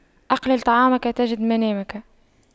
أقلل طعامك تجد منامك